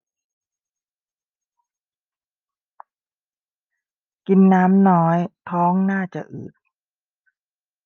กินน้ำน้อยท้องน่าจะอืด